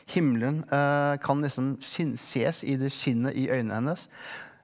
himmelen kan liksom ses i det skinnet i øynene hennes.